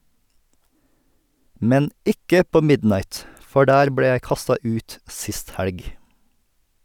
Men IKKE på Midnight, for der ble jeg kasta ut sist helg.